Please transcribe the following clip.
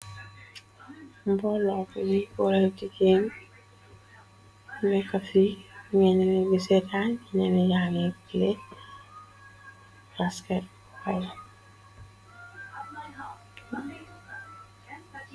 mbolo oppri booreltikeng mekkati ñenenel bi setan ci nanu yami cle rasket pol